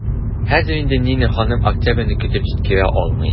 Хәзер инде Нина ханым октябрьне көтеп җиткерә алмый.